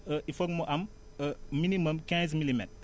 il faut que mu am minimum quinze milimètres